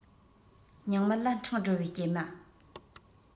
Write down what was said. སྙིང མེད ལ འཕྲང སྒྲོལ བའི སྐྱེལ མ